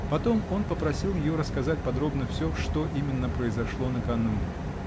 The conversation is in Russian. Потом он попросил ее рассказать подробно все, что именно произошло накануне.